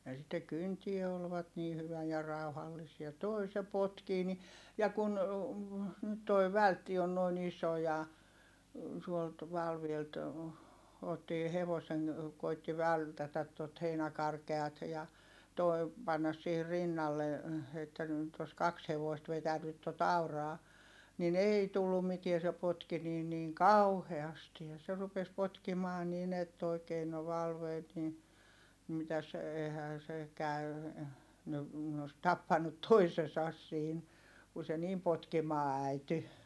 ja sitten kyntää olivat niin hyvä ja rauhallisia tuo se potkii niin ja kun nyt tuo vältti on noin iso ja tuolta Valvelta otti hevosen koetti vältätä tuota heinäkarkeata ja tuo panna siihen rinnalle että nyt olisi kaksi hevosta vetänyt tuota auraa niin ei tullut mitään se potki niin niin kauheasti ja se rupesi potkimaan niin että oikein no Valveet niin mitäs eihän se käy ne ne olisi tappanut toisensa siinä kun se niin potkimaan äityi